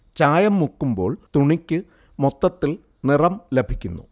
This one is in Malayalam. ചായം മുക്കുമ്പോൾ തുണിക്ക് മൊത്തത്തിൽ നിറം ലഭിക്കുന്നു